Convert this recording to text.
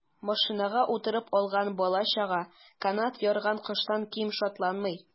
Машинага утырып алган бала-чага канат ярган коштан ким шатланмый.